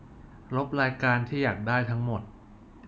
ลบรายการที่อยากได้ทั้งหมด